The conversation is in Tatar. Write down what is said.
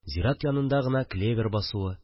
Зират янында гына клевер басуы